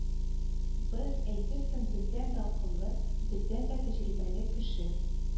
Быз, әйтерсең бездән дә акыллы, бездән дә тәҗрибәле кеше